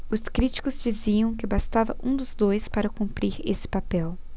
os críticos diziam que bastava um dos dois para cumprir esse papel